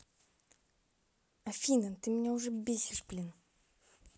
афина ты меня уже бесишь блин